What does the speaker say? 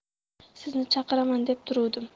sizni chaqiraman deb turuvdim